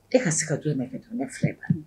E ka se ka jɔn in ma kɛ don ne filɛ